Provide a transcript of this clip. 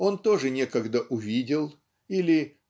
он тоже некогда увидел (или